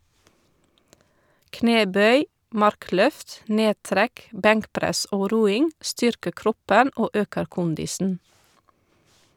Knebøy, markløft, nedtrekk, benkpress og roing styrker kroppen og øker kondisen.